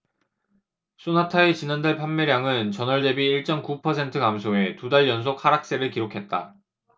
쏘나타의 지난달 판매량은 전월 대비 일 쩜 구 퍼센트 감소해 두 달 연속 하락세를 기록했다